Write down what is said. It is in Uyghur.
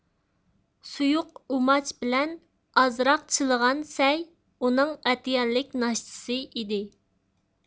سۇيۇق ئۇماچ بىلەن ئازراق چىلىغان سەي ئۇنىڭ ئەتىگەنلىك ناشتىسى ئىدى